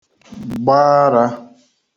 gbà arā